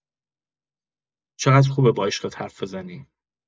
چقدر خوبه با عشقت حرف بزنی!